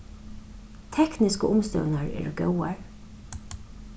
teknisku umstøðurnar eru góðar